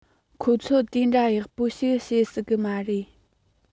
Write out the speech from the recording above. ཁོ ཚོ དེ འདྲ ཡག པོ ཞིག བྱེད སྲིད གི མ རེད